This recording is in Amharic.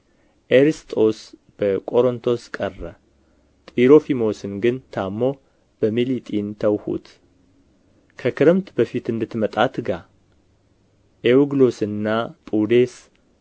ኤርስጦስ በቆሮንቶስ ቀረ ጥሮፊሞስን ግን ታሞ በሚሊጢን ተውሁት ከክረምት በፊት እንድትመጣ ትጋ ኤውግሎስና ጱዴስ